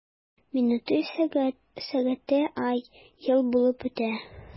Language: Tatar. Минуты— сәгать, сәгате— ай, ел булып үтте.